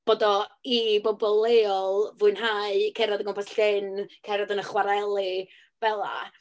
Bod o i bobl leol fwynhau cerdded o gwmpas llyn, cerdded yn y chwaraeli, fela.